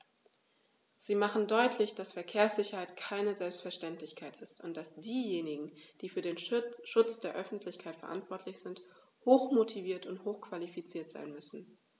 Sie machen deutlich, dass Verkehrssicherheit keine Selbstverständlichkeit ist und dass diejenigen, die für den Schutz der Öffentlichkeit verantwortlich sind, hochmotiviert und hochqualifiziert sein müssen.